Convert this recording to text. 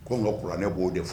Ko n kauranɛ b'o de fɔ